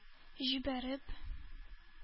Җибәреп